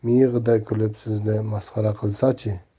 kulib sizni masxara qilsa chi